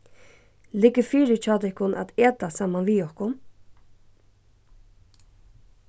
liggur fyri hjá tykkum at eta saman við okkum